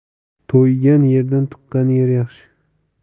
to'ygan yerdan tuqqan yer yaxshi